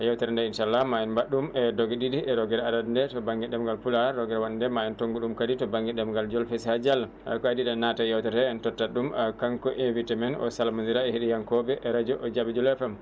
yewtere nde inchallah ma en mbaɗɗum e dooge ɗiɗi rogere andana nde to banŋnge ɗemngal Pulaar rogere wonnde nde ma en tonggu ɗum kadi to banŋnge ɗemngal Jolfe so haaji Allah ko aadi eɗen naata e yewtere he en tottat ɗum kanko invité o salmodira e heeɗiyankoɓe radio JABY JULA FM